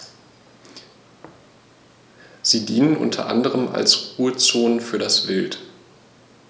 Sie dienen unter anderem als Ruhezonen für das Wild.